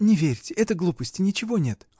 — Не верьте — это глупости, ничего нет.